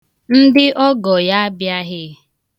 Ngị ọgọ ya abịaghị.